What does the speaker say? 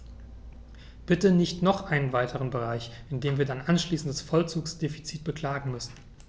Bitte nicht noch einen weiteren Bereich, in dem wir dann anschließend das Vollzugsdefizit beklagen müssen.